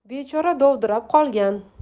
bechora dovdirab qolgan